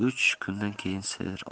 uch kundan keyin sir ochildi